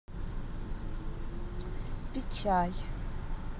печаль